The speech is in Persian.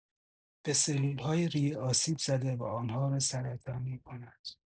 به سلول‌های ریه آسیب‌زده و آن‌ها را سرطانی کند.